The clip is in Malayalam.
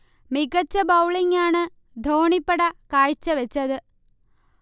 മികച്ച ബൌളിംഗ് ആണ് ധോണിപ്പട കാഴ്ച വെച്ചത്